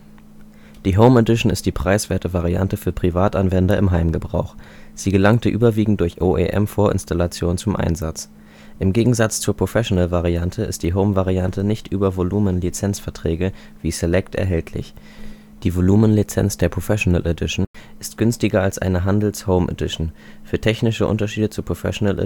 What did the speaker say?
Die Home Edition ist die preiswerte Variante für Privatanwender im Heimgebrauch, sie gelangte überwiegend durch OEM-Vorinstallation zum Einsatz. Im Gegensatz zur Professional-Variante ist die Home-Variante nicht über Volumenlizenzverträge (wie Select) erhältlich. Die Volumenlizenz der Professional-Edition ist günstiger als eine Handels -„ Home “- Edition. Für technische Unterschiede zur Professional